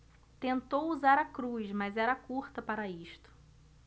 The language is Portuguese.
tentou usar a cruz mas era curta para isto